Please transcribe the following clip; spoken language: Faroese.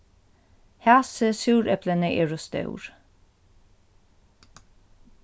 hasi súreplini eru stór